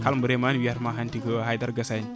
kala mo reemani wiyata hanti ko haydara gaasani